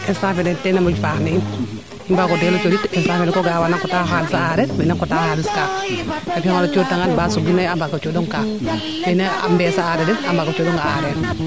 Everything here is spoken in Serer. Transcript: instant fene tena moƴu faax na in i mbaago teelo coxit instant kene koo ga'a waa na ŋotaa xalis a areer wene ŋotaa xalis kaaf a fiya ngaan ba suginoyo a mbaago coxong kaaf wene a mbeesa areer den a mbaagongo cooxa areer